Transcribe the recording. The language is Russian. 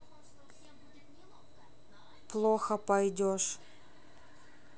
плохо пойдешь